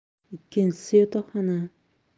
ikkinchisi yotoqxona